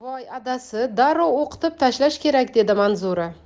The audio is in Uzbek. voy adasi darrov o'qitib tashlash kerak dedi manzura